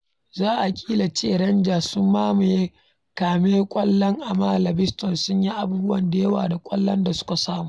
Za a ƙila ce Rangers sun mamaye kame ƙwallon amma Livingston sun yi abubuwa da yawa da ƙwallon da suka samu.